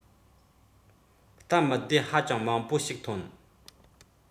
སྟབས མི བདེ ཧ ཅང མང པོ ཞིག ཐོན